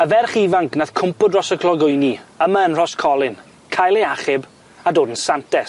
Y ferch ifanc nath cwmpo dros y clogwyni yma yn Roscolyn cael ei achub a dod yn Santes.